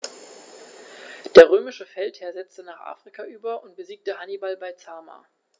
Der römische Feldherr setzte nach Afrika über und besiegte Hannibal bei Zama.